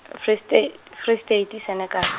Free Sta-, Free State e Senekal.